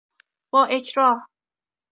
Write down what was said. با اکراه